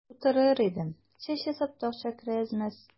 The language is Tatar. Утырыр идем, чәч ясап та акча керә әз-мәз.